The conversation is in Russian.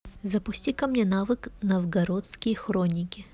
запусти ка мне навык новгородские хроники